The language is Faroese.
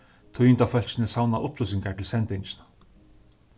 tíðindafólkini savna upplýsingar til sendingina